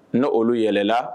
Ne olu yɛlɛla